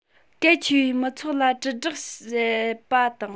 གལ ཆེ བའི མི ཚོགས ལ དྲིལ བསྒྲགས བྱེད པ དང